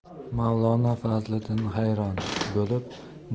mavlono fazliddin hayron bo'lib